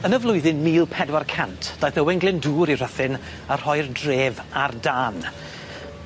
Yn y flwyddyn mil pedwar cant daeth Owain Glyndwr i Rhythun a rhoi'r dref ar dân.